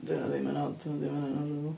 'Di hynna ddim yn od nadi, ma' hynna'n horrible.